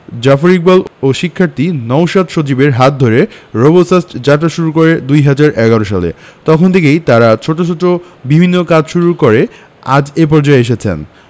জাফর ইকবাল ও শিক্ষার্থী নওশাদ সজীবের হাত ধরে রোবোসাস্ট যাত্রা শুরু করে ২০১১ সালে তখন থেকেই তারা ছোট ছোট বিভিন্ন কাজ শুরু করে আজ এ পর্যায়ে এসেছেন